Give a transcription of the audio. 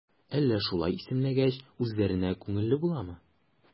Әллә шулай исемләгәч, үзләренә күңелле буламы?